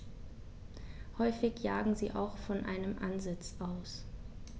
Häufig jagen sie auch von einem Ansitz aus.